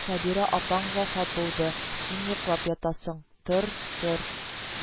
"сабира апаң вафат булды; син йоклап ятасың, тор, тор